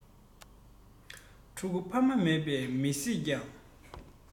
ཕྲུ གུ ཕ མ མེད པ མི སྲིད ཀྱང